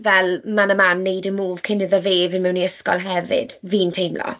Fel man a man wneud y move cyn iddo fe fynd mewn i ysgol hefyd, fi'n teimlo.